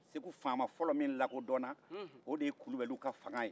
segu faama fɔlɔ min lakodɔnna o de ye kulubaliw ka fanga ye